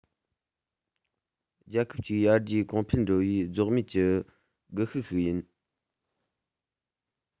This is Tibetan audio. རྒྱལ ཁབ ཅིག ཡར རྒྱས གོང འཕེལ འགྲོ བའི རྫོགས མེད ཀྱི སྒུལ ཤུགས ཤིག ཡིན